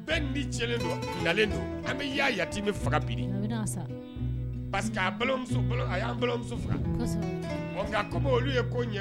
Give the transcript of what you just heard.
Bɛɛ ni tiɲɛlen don an bɛ faga bi de, a bɛna sa parce que a y'a balimamuso faga, kosɛbɛ, nka comme olu ye ko ɲɛ